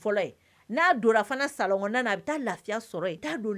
Lafi